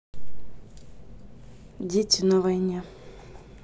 дети на войне